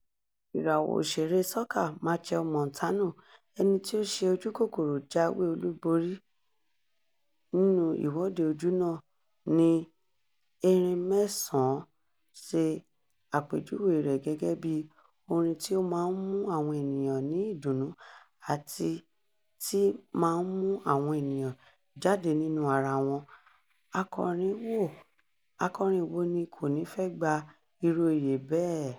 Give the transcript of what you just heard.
Ìràwọ̀ òṣèrée soca Machel Montano, ẹni tí ó ṣe ojúkòkòrò jáwé olúborí nínú Ìwọ́de Ojúnà ní ẹ̀rìnmẹ́sàn-án, ṣe àpèjúwe rẹ̀ gẹ́gẹ́ bí "orin tí ó máa ń mú àwọn ènìyàn ní ìdùnnú àti tí máa ń mú àwọn ènìyàn jáde nínú ara wọn" — akọrin wo ni kò ní fẹ́ gba irú oyè bẹ́ẹ̀?